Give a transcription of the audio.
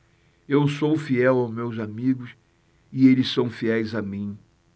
eu sou fiel aos meus amigos e eles são fiéis a mim